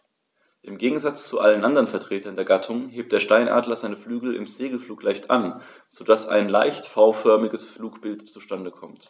Im Gegensatz zu allen anderen Vertretern der Gattung hebt der Steinadler seine Flügel im Segelflug leicht an, so dass ein leicht V-förmiges Flugbild zustande kommt.